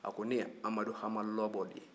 a ko ne ye amadu hama lɔbɔ de ye